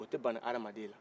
o tɛ bani adamaden na